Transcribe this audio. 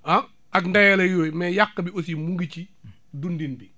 ah ak ndeyale yooyu mais yàq bi aussi mu ngi ci dundin bi